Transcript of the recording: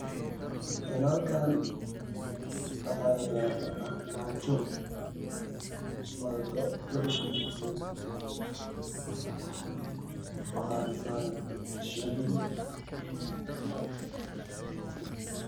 Halkaan waxaa yaalo armaajo wadato labo koobadiin waxaa saaran shoobin.